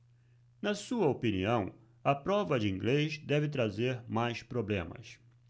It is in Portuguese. na sua opinião a prova de inglês deve trazer mais problemas